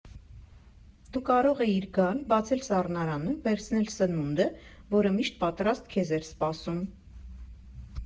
Դու կարող էիր գալ, բացել սառնարանը, վերցնել սնունդը, որը միշտ պատրաստ քեզ էր սպասում։